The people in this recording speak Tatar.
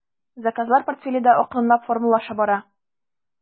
Заказлар портфеле дә акрынлап формалаша бара.